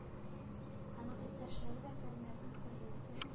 Анын иптәшләре дә фәннәрнең, төрлесен,